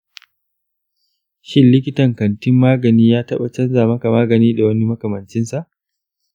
shin likitan kantin magani ya taɓa canza maka magani da wani makamancinsa?